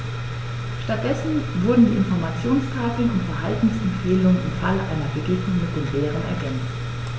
Stattdessen wurden die Informationstafeln um Verhaltensempfehlungen im Falle einer Begegnung mit dem Bären ergänzt.